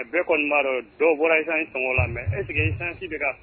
A bɛɛ kɔni'adɔ dɔw bɔra isan sangɔ la mɛ ɛseke isansi bɛ kan